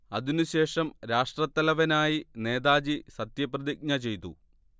അതിനുശേഷം രാഷ്ട്രത്തലവനായി നേതാജി സത്യപ്രതിജ്ഞ ചെയ്തു